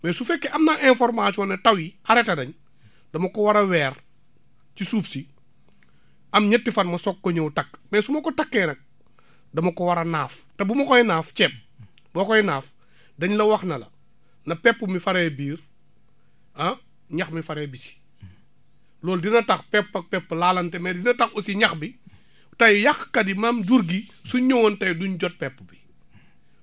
mais su fekkee am naa information ne taw yi arrêté nañ dama ko war a weer ci suuf si am ñetti fan ma soog ko ñëw takk mais su ma ko takkee nag dama ko war a naaf te bu ma koy naaf ceeb boo koy naaf dañ la wax ne la na pepp mi faree biir ah ñax mi faree bitti loolu dina tax pepp ak pepp laalante mais dina tax aussi ñax bi tey yàqkat yi maanaam jur gi suñ ñëwoon tey du ñu jot pepp